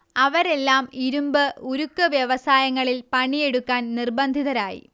അവരെല്ലാം ഇരുമ്പ്, ഉരുക്ക് വ്യവസായങ്ങളിൽ പണിയെടുക്കാൻ നിർബന്ധിതരായി